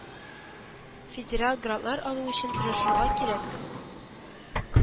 Федераль грантлар алу өчен тырышырга кирәк